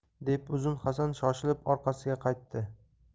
deb uzun hasan shoshilib orqasiga qaytdi